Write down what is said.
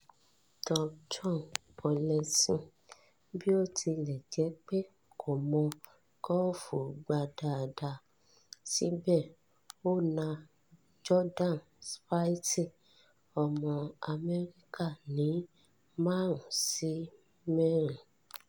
Thorbjorn Olesen, bí ó tilẹ̀ jẹ́ pé kò mọ gọ́ọ̀fù gbá dáadáa, síbẹ̀ ó na Jordan Spieth, ọmọ Amẹ́ríkà ní 5 sí 4.